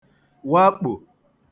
wakpò